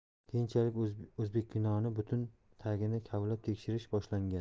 keyinchalik o'zbekkino ni butun tagini kavlab tekshirish boshlangan